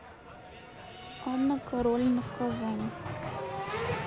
анна каролина в казани